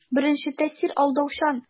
Беренче тәэсир алдаучан.